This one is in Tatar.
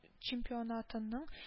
Чемпионатының